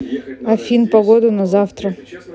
афин погоду на завтра